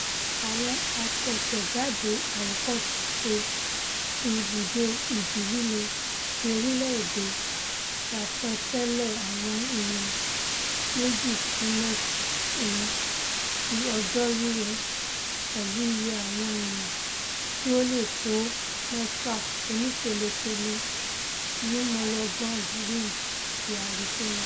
Àwọn àṣẹ̀ṣẹ̀jáde àwòkọ́ṣe ti Ibùdó Ìjì-líle ti orílẹ̀-èdè ṣàsọtẹ́lẹ̀ àwọn ìwọn 2 sí 4 ti òjò-rírọ, pẹ̀lú iye àwọn ìwọn tí ó le tó 6 oníkéle-kèle ní Mologon Rim ti Arizona.